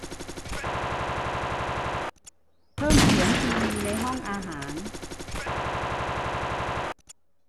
เพิ่มเสียงทีวีในห้องอาหาร